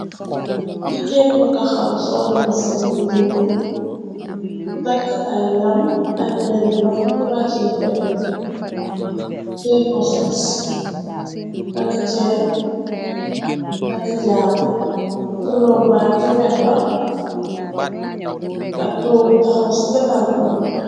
Jigeen bu taxaw solumba sañ bu nuur takk ay lam aj benn laxo bi wàcce benn bi téposets takk cenn takk jaaru fulorbañ ci wet ba ak toobu taxaw ci ganaaw toog.